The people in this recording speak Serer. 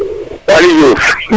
waly Diouf